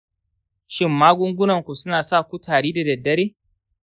shin magungunan ku suna saku tari da daddare?